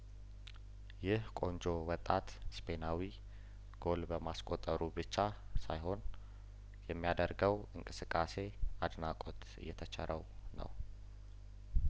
ይህ ቆንጆ ወጣት ስፔናዊ ጐል በማስቆጠሩ ብቻ ሳይሆን የሚያደርገው እንቅስቃሴ አድናቆት እየተቸረው ነው